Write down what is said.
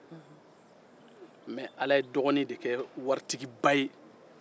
ala ye dɔgɔnin de ke waritigiba ye